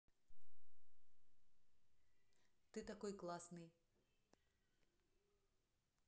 ты такой классный